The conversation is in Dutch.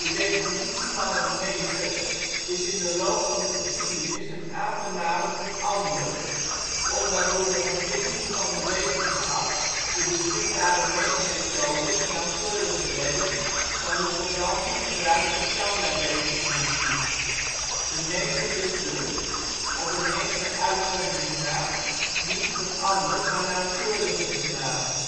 definitie van een ' meter ' is in de loop van de geschiedenis een aantal malen veranderd, omdat door de ontwikkeling van de wetenschap de beschikbare meetmethodes nauwkeuriger werden dan de tot dan toe gebruikte standaarddefinitie. De meter is dus (op een enkele uitzondering na) niet veranderd, maar nauwkeuriger gemaakt